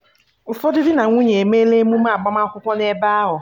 Ụfọdụ di na nwunye emeela emume agbamakwụkwọ n'ebe ahụ.